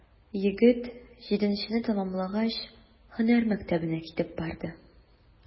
Егет, җиденчене тәмамлагач, һөнәр мәктәбенә китеп барды.